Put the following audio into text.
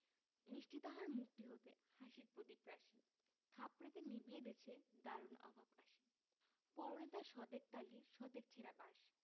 মিষ্টি তাহার মুখটি হতে হাসির প্রদীপ রাশি থাপড়েতে নিবিয়ে দেছে দারুণ অভাব আসি পরনে তার শতেক তালির শতেক ছেঁড়া বাস